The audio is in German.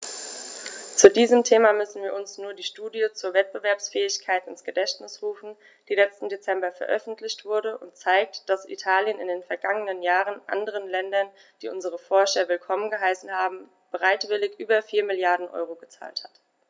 Zu diesem Thema müssen wir uns nur die Studie zur Wettbewerbsfähigkeit ins Gedächtnis rufen, die letzten Dezember veröffentlicht wurde und zeigt, dass Italien in den vergangenen Jahren anderen Ländern, die unsere Forscher willkommen geheißen haben, bereitwillig über 4 Mrd. EUR gezahlt hat.